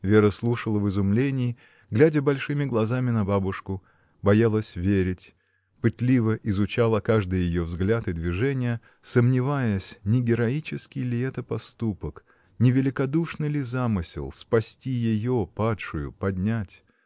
Вера слушала в изумлении, глядя большими глазами на бабушку, боялась верить, пытливо изучала каждый ее взгляд и движение, сомневаясь, не героический ли это поступок, не великодушный ли замысел — спасти ее, падшую, поднять?